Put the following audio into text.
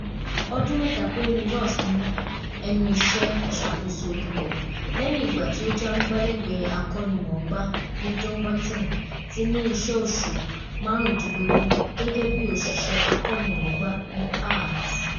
Ọdún mẹ́ta péré ni Ross ní ẹnu iṣẹ́ ìṣàkóso ikọ̀, lẹ́hìn ìgbà tí ó jẹ́ amúgbálẹ̀gbẹ́ akọ́nimọ̀ọ́gbá ni Dumbarton tí ní iṣẹ́ oṣù màrúndínlógùn gẹ́gẹ́ bíi òṣìṣẹ̀ akọ́nimọ̀ọ́gbá ní Hearts.